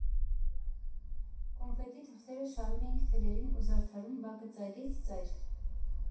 Կոնֆետի թղթերը շարում էինք թելերին ու զարդարում բակը ծայրից ծայր։